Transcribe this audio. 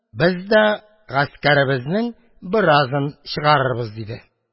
Без дә гаскәрләребезнең беразын чыгарырбыз, – диде.